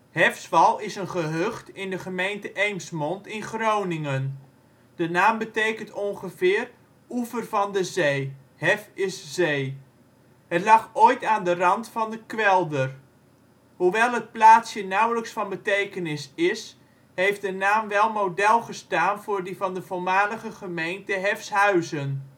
Hefswal is een gehucht in de gemeente Eemsmond, Groningen. De naam betekent ongeveer oever van de zee (hef = zee). Het lag ooit aan de rand van de kwelder. Hoewel het plaatsje nauwelijks van betekenis is, heeft de naam wel " model " gestaan voor die van de (voormalige) gemeente Hefshuizen